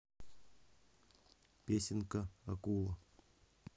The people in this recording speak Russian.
песенка акула